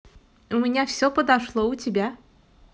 у меня все подошло у тебя